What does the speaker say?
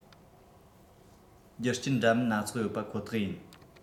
རྒྱུ རྐྱེན འདྲ མིན སྣ ཚོགས ཡོད པ ཁོ ཐག ཡིན